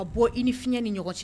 A bɔ i ni fiɲɛ ni ɲɔgɔn cɛ